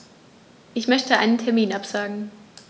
Ich möchte einen Termin absagen.